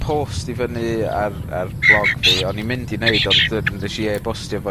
post i fyny ar ar blog fi, o'n i'n mynd i neud, ond dy- nes i e-bostio fo